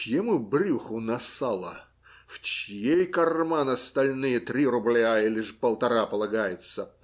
Чьему брюху на сало, в чей карман остальные три рубля или же полтора полагаются?